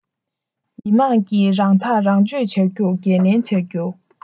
མི དམངས ཀྱིས རང ཐག རང གཅོད བྱ རྒྱུར འགན ལེན བྱ རྒྱུ